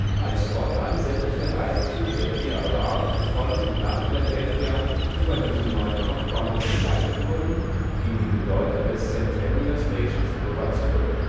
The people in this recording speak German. Als fortan sämtliche Reisezüge der PRR von und nach Philadelphia über diesen neuen Kopfbahnhof geleitet wurden, ging die Bedeutung der Centennial Station spürbar zurück